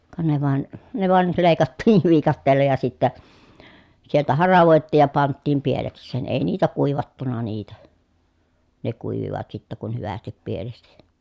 ka ne vain ne vain leikattiin viikatteella ja sitten sieltä haravoitiin ja pantiin pielekseen ei niitä kuivattu niitä ne kuivuivat sitten kun hyvästi pielesti